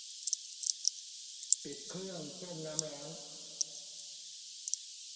ปิดเครื่องต้มน้ำร้อน